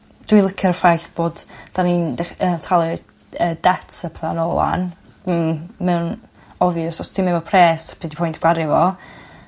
Dwi licio'r ffaith bod 'dan ni'n dech- yn talu yy debts eto nôl ŵan m- ma'n obvious os ti'm efo pres be' 'di pwynt gwario fo